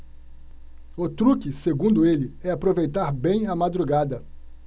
o truque segundo ele é aproveitar bem a madrugada